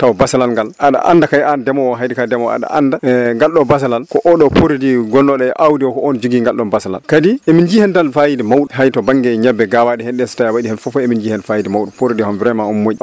taw basalal ngal aɗa anda kayi an deemowo o hayde ka deemowo aɗa anda galɗo basalal ko oɗo produit gonnoɗo e awdi o ko jogui galɗon basalal kadi emin jii hen tan fayida mawɗo hayto banggue ñebbe ga waɗi hen less tan a waɗi hen fofoof emin jii hen fayida mawɗo produit o vraiment omo moƴƴi